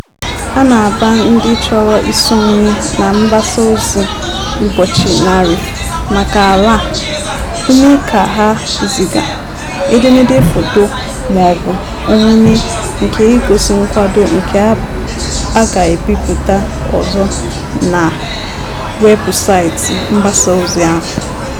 A na-agba ndị chọrọ isonye na mgbasa ozi "Ụbọchị 100 maka Alaa" ume ka ha ziga "edemede, foto ma ọ bụ omume nke igosi nkwado" nke a ga-ebipụta ọzọ na webụsaịtị mgbasa ozi ahụ: